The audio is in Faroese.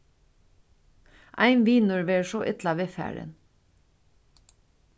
ein vinur verður so illa viðfarin